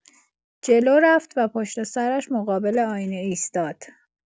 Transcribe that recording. جلو رفت و پشت سرش مقابل آینه ایستاد.